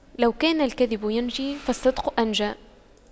لو كان الكذب ينجي فالصدق أنجى